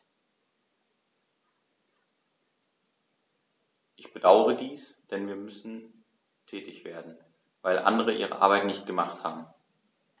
Ich bedauere dies, denn wir müssen tätig werden, weil andere ihre Arbeit nicht gemacht haben.